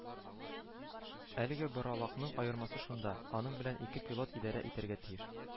Әлеге боралакның аермасы шунда: аның белән ике пилот идәрә итәргә тиеш